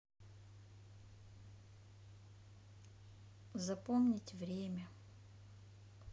запомнить время